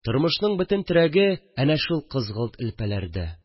Тормышның бөтен терәге әнә шул кызгылт элпәләрдә